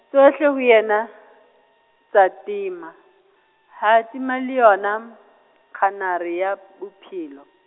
tsohle ho yena, tsa tima, ha tima le yona, kganare ya, bophelo.